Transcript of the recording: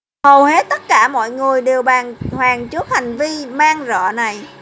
hầu hết tất cả mọi người đều bàng hoàng trước hành vi man rợ này